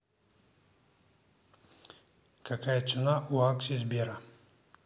какая цена у акса сбера